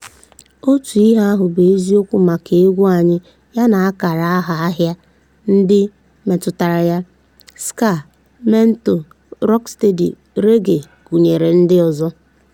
Otu ihe ahụ bụ eziokwu maka egwu anyị yana ákàrà aha ahịa ndị metụtara ya, Ska, Mento, Rock Steady, Reggae gụnyere ndị ọzọ.